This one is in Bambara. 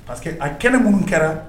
Parce que a kɛlen mun kɛra